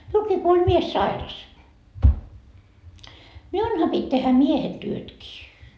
minullakin kun oli mies sairas minunhan piti tehdä miehen työtkin